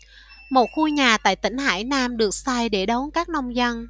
một khu nhà tại tỉnh hải nam được xây để đón các nông dân